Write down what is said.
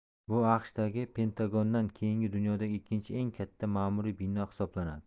bu aqshdagi pentagondan keyingi dunyodagi ikkinchi eng katta ma'muriy bino hisoblanadi